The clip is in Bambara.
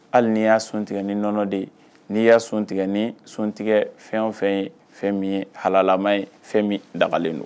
Hali n'i y'a sun tigɛ ni nɔnɔ de ye n'i y'a sun tigɛ ni sun tigɛ fɛn fɛn ye fɛn min ye halama ye fɛn min dalen don